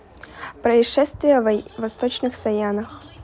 происшествия восточных саянах